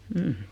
mm